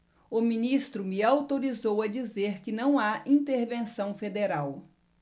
o ministro me autorizou a dizer que não há intervenção federal